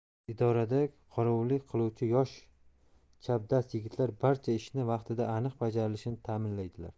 idorada qorovullik qiluvchi yosh chapdast yigitlar barcha ishni vaqtida aniq bajarilishini ta'minlaydilar